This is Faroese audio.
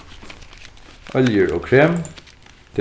oljur og krem